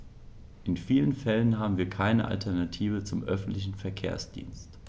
In vielen Fällen haben wir keine Alternative zum öffentlichen Verkehrsdienst.